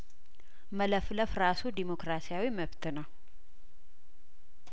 መለፍለፍ ራሱ ዲሞክራሲያዊ መብት ነው